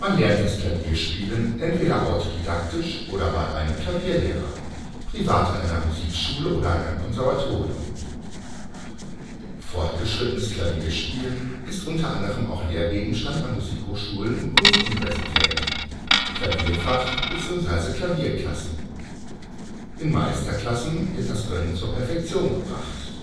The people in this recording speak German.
lernt das Klavierspielen entweder autodidaktisch oder bei einem Klavierlehrer: Privat in einer Musikschule oder an einem Konservatorium. Fortgeschrittenes Klavierspiel ist unter anderem auch Lehrgegenstand an Musikhochschulen und Kunstuniversitäten („ Klavierfach “bzw. „ Klavierklassen “). In Meisterklassen wird das Können zur Perfektion gebracht